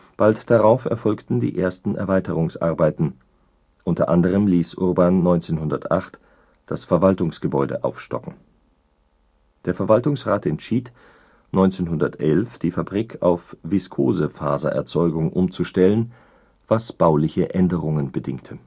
Bald darauf erfolgten die ersten Erweiterungsarbeiten, unter anderem ließ Urban 1908 das Verwaltungsgebäude aufstocken. Der Verwaltungsrat entschied, 1911 die Fabrik auf Viskosefasererzeugung umzustellen, was bauliche Änderungen bedingte